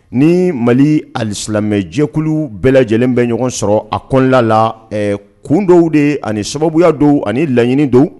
Ni Mali alisilamɛ jɛkulu bɛɛ lajɛlen bɛ ɲɔgɔn sɔrɔ a kɔnɔna la, ɛ kun dɔw de , ani sababuya dɔw, ani laɲini dɔw